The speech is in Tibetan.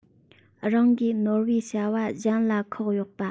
རང གིས ནོར བའི བྱ བ གཞན ལ ཁག གཡོགས པ